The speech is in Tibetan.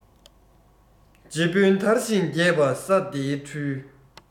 རྗེ དཔོན དར ཞིང རྒྱས པ ས སྡེའི འཕྲུལ